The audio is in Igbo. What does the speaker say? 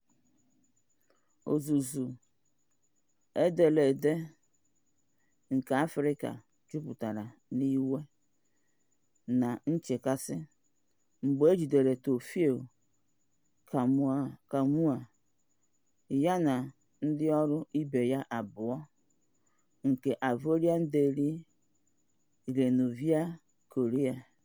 Ozuzu ederede nke Afrịka jupụtara n'iwe na nchekasị mgbe e jidere Théophile Kouamouo ya na ndịọrụ ibe ya abụọ nke Ivorian Daily Le Nouveau Courrier.